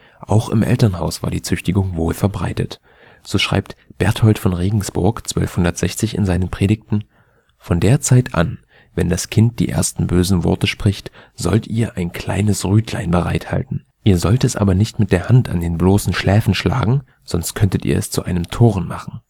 Auch im Elternhaus war die Züchtigung wohl verbreitet. So schreibt Berthold von Regensburg 1260 in seinen Predigten: „ Von der Zeit an, wenn das Kind die ersten bösen Worte spricht, sollt ihr ein kleines Rütlein bereithalten. Ihr sollt es aber nicht mit der Hand an den bloßen Schläfen schlagen, sonst könntet ihr es zu einem Toren machen